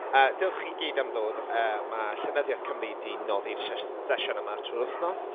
Yy, diolch i chi gyd am ddod. yy Ma' Llenyddiaeth Cymru 'di noddi'r sh- sesiynnau 'ma trwy’r wythnos.